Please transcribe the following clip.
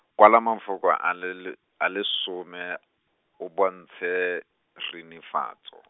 kwala mafoko a le l-, a le some, o bontshe, rinifatso.